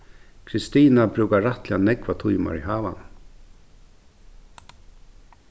kristina brúkar rættiliga nógvar tímar í havanum